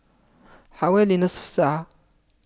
حوالي نصف ساعة